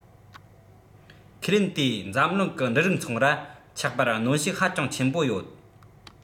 ཁས ལེན དེས འཛམ གླིང གི འབྲུ རིགས ཚོང ར ཆགས པར གནོན ཤུགས ཧ ཅང ཆེན པོ ཡོད